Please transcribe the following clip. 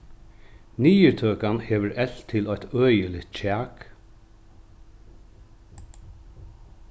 niðurtøkan hevur elvt til eitt øgiligt kjak